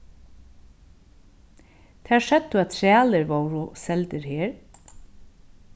tær søgdu at trælir vóru seldir her